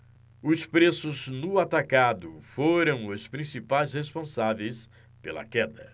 os preços no atacado foram os principais responsáveis pela queda